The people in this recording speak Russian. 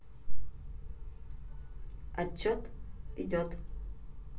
отчет идет